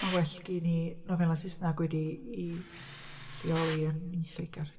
Mae'n well gen i nofelau Saesneg wedi eu lleoli yn Lloegr.